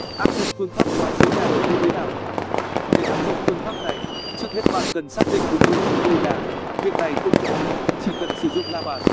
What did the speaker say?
áp dụng phương pháp quái số nhà ở như thế nào để áp dụng phương pháp này trước hết bạn cần xác định đúng hướng của ngôi nhà việc này không khó chỉ cần sử dụng la bàn